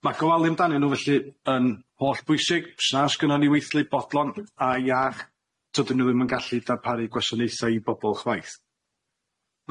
Ma' gofalu amdanyn nw felly yn hollbwysig, sna s'gynnon ni weithlu bodlon a iach dydyn nw ddim yn gallu darparu gwasanaetha i bobol chwaith.